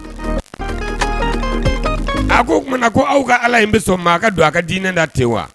A ko o tumana ko aw ka ala in bɛ sɔn maa ka don aw ka diinɛ da tɛ wa